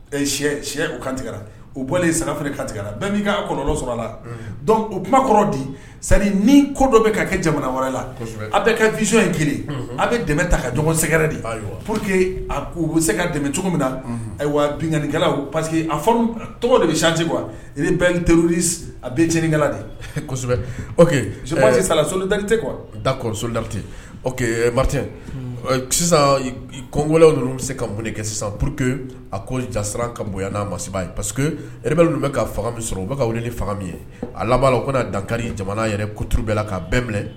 Kantigɛ u bɔralen sagafɛ kantigɛla bɛn' ka kɔ sɔrɔ a la don o kuma kɔrɔ di sani ni ko dɔ bɛ ka kɛ jamana wɛrɛ la a bɛ kɛ vz in kelen a bɛ dɛmɛ ta ka jɔn sɛgɛrɛ de pur que u bɛ se ka dɛmɛ cogo min na binanikɛla parce que a fɔ tɔgɔ de bɛ cati kuwa i teri a bɛcinikɛla de kosɛbɛ sala soli darite kuwa dakɔsolidate ɔmat sisan kɔngo ninnu bɛ se ka kɛ sisan pur que a ko jaa ka bonyan' masiba ye pa que yɛrɛ bɛ ka fanga min sɔrɔ u bɛ ka wuli ni fanga min ye a laban' o ka dankan jamana yɛrɛ kutuuru bɛɛ la ka bɛn minɛ